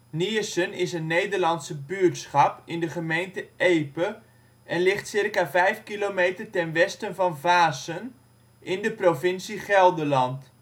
Niersen is een Nederlands buurtschap in de gemeente Epe, en ligt circa 5 kilometer ten westen van Vaassen, in de provincie Gelderland